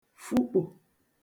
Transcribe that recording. fụkpò